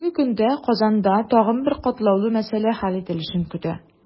Бүгенге көндә Казанда тагын бер катлаулы мәсьәлә хәл ителешен көтә.